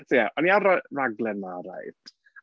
Ie, o'n i ar y raglen yma right.